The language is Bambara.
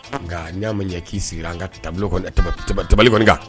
Nka n'a ma ɲɛ k'i sigi n ka kɔni kan